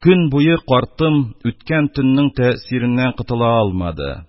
Көн буе картым үткән төннең тәэсиреннән котыла алмады.